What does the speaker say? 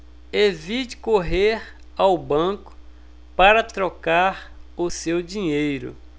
evite correr ao banco para trocar o seu dinheiro